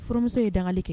Furumuso ye dangali kɛ